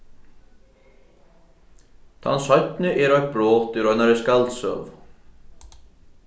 tann seinni er eitt brot úr einari skaldsøgu